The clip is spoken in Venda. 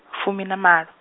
fumi na malo.